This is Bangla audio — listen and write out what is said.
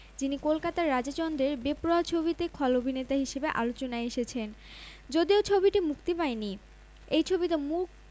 যিনি কলকাতার রাজা চন্দের বেপরোয়া ছবিতে খল অভিননেতা হিসেবে আলোচনায় এসেছেন যদিও ছবিটি মুক্তি পায়নি এই ছবিতে মূখ